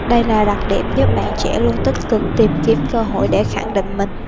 đây là đặc điểm giúp bạn trẻ luôn tích cực tìm kiếm cơ hội để khẳng định mình